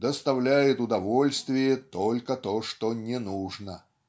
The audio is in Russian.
доставляет удовольствие только то, что ненужно".